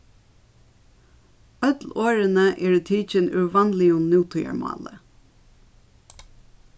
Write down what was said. øll orðini eru tikin úr vanligum nútíðarmáli